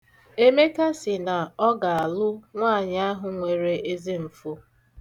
Emeka sị na ọ ga-alụ nwaanyị ahụ nwere ezemfo.